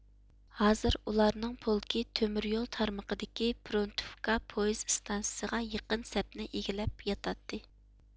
ھازىر ئۇلارنىڭ پولكى تۆمۈر يول تارمىقىدىكى پرونتۇفكا پويىز ئىستانسىسىغا يېقىن سەپنى ئىگىلەپ ياتاتتى